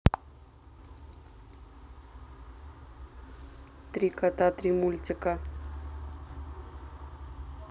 три кота три мультика